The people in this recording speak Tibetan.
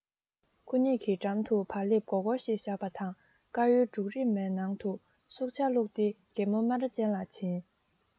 ཁོ གཉིས ཀྱི འགྲམ དུ བག ལེབ སྒོར སྒོར ཞིག བཞག པ དང དཀར ཡོལ འབྲུག རིས མའི ནང དུ བསྲུབས ཇ བླུགས ཏེ རྒད པོ སྨ ར ཅན ལ བྱིན